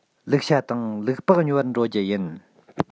ལུག ཤ དང ལུག ལྤགས ཉོ བར འགྲོ རྒྱུ ཡིན